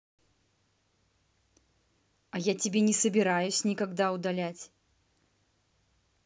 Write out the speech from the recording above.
а я тебе не собираюсь никогда удалять